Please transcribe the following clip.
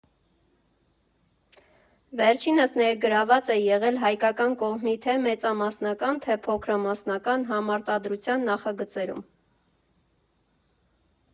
Վերջինս ներգրավված է եղել հայկական կողմի թե՛ մեծամասնական, թե՛ փոքրամասնական համարտադրության նախագծերում։